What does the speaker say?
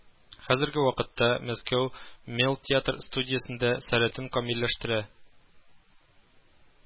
Хәзерге вакытта Мәскәү Мел театр студиясендә сәләтен камилләштерә